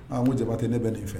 Aa ŋo Jabate ne be nin fɛ